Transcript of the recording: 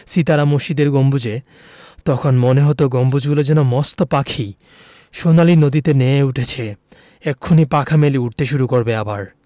সিতারা মসজিদের গম্বুজে তখন মনে হতো গম্বুজগুলো যেন মস্ত পাখি সোনালি নদীতে নেয়ে উঠেছে এক্ষুনি পাখা মেলে উড়তে শুরু করবে আবার